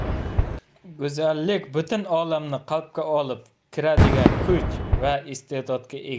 go'zallik butun olamni qalbga olib kiradigan kuch va iste'dodga ega